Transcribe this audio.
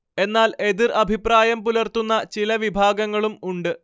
എന്നാൽ എതിർ അഭിപ്രായം പുലർത്തുന്ന ചില വിഭാഗങ്ങളും ഉണ്ട്